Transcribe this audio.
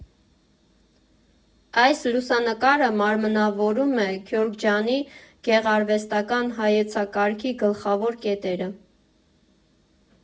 Այս լուսանկարը մարմնավորում է Քյուրքչյանցի գեղարվեստական հայեցակարգի գլխավոր կետերը։